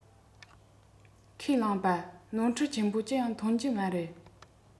ཁས བླངས པ ནོར འཁྲུལ ཆེན པོ ཅི ཡང ཐོན གྱི མ རེད